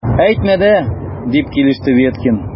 Әйтмә дә! - дип килеште Веткин.